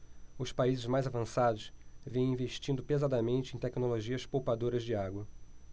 os países mais avançados vêm investindo pesadamente em tecnologias poupadoras de água